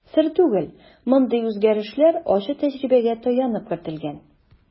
Сер түгел, мондый үзгәрешләр ачы тәҗрибәгә таянып кертелгән.